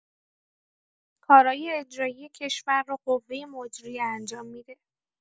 کارای اجرایی کشور رو قوه مجریه انجام می‌ده.